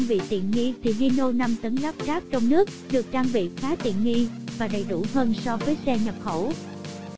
trang bị tiện nghi thì hino tấn lắp ráp trong nước được trang bị khá tiện nghi và đầy đủ hơn so với xe nhập khẩu